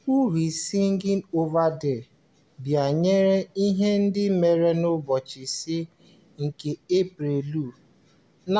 "Who's Singin' Over There" banyere ihe ndị mere n'ụbọchị 5 nke Eprelụ 1941.